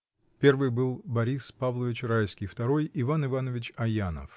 Первый был Борис Павлович Райский, второй — Иван Иванович Аянов.